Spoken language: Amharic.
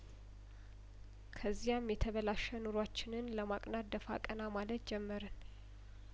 ከዚያም የተበላሸ ኑሮአችንን ለማቃናት ደፋ ቀና ማለት ጀመርን